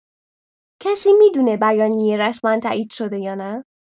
کسی می‌دونه بیانیه رسما تایید شده یا نه؟